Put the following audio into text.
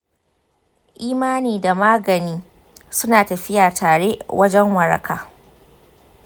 imani da magani suna tafiya tare wajen waraka.